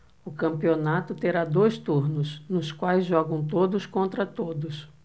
o campeonato terá dois turnos nos quais jogam todos contra todos